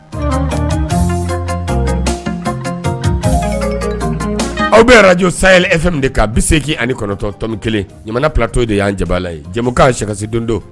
Aw be Arajo Sahel F-M de kan 89.1 _ Niamana PLATEAU de y'an jabaala ye. Jɛmu kan :Sɛ :Sɛ kasi dondo.